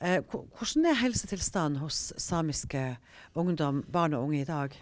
hvordan er helsetilstanden hos samiske ungdom barn og unge i dag?